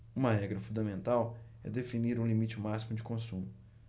uma regra fundamental é definir um limite máximo de consumo